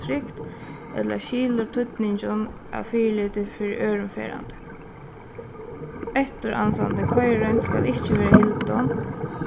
trygt ella skilir týdningin av fyriliti fyri øðrum ferðandi eftiransandi koyriroynd skal ikki verða hildin